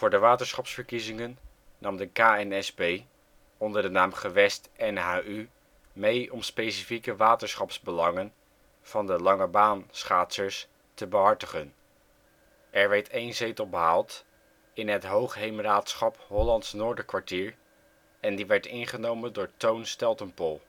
de Waterschapsverkiezingen nam de KNSB onder de naam Gewest NH/U mee om specifieke waterschapsbelangen van de (langebaan) schaatsers te behartigen. Er werd één zetel behaald in het Hoogheemraadschap Holllands Noorderkwartier en die werd ingenomen door Toon Steltenpool